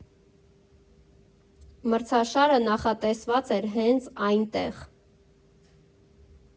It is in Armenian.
Մրցաշարը նախատեսված էր հենց այնտեղ։